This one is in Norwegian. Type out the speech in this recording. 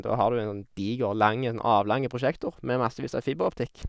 Da har du en sånn diger lang en sånn avlang prosjektor med massevis av fiberoptikk.